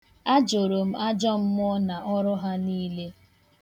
Ajụrụ m ajọ mmụọ na ọrụ ha niile.